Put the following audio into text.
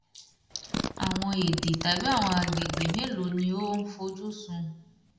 Àwọn èdè tàbí àwọn agbègbè mélòó ni ò ń fojú sùn?